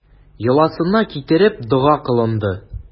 Йоласына китереп, дога кылынды.